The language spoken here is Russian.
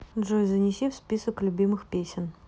джой занеси в список любимых песен